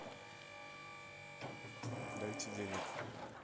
дайте денег